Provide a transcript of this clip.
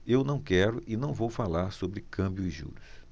eu não quero e não vou falar sobre câmbio e juros